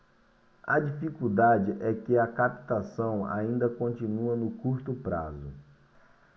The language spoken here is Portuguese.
a dificuldade é que a captação ainda continua no curto prazo